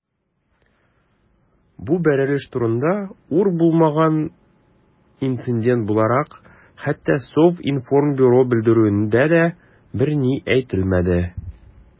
Бу бәрелеш турында, зур булмаган инцидент буларак, хәтта Совинформбюро белдерүендә дә берни әйтелмәде.